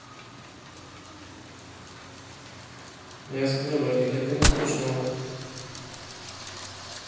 я склеротик это не смешно